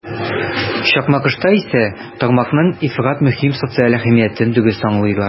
Чакмагышта исә тармакның ифрат мөһим социаль әһәмиятен дөрес аңлыйлар.